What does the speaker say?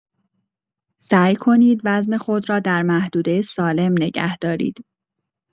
سعی کنید وزن خود را در محدوده سالم نگه دارید.